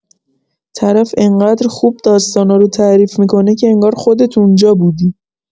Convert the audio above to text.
طرف انقدر خوب داستانا رو تعریف می‌کنه که انگار خودت اونجا بودی.